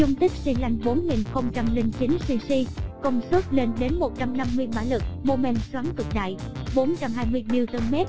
dung tích xy lanh cc công suất lên đến ps momen xoắn cực đại n m